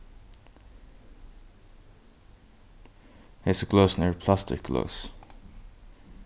hesi gløsini eru plastikkgløs